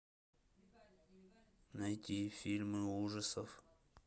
найти фильмы ужасов